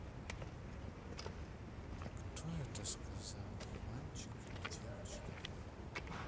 кто это сказал мальчик или девочка